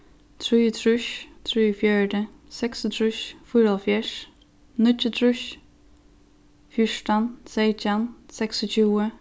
trýogtrýss trýogfjøruti seksogtrýss fýraoghálvfjerðs níggjuogtrýss fjúrtan seytjan seksogtjúgu